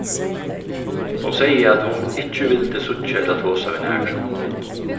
hon segði at hon ikki vildi síggja ella tosa við nakran